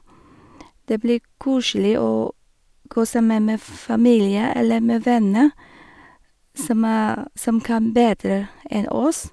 Det blir koselig å kose meg med familie eller med venner som er som kan bedre enn oss.